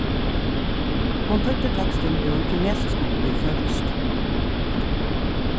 hon týddi tekstin úr kinesiskum í føroyskt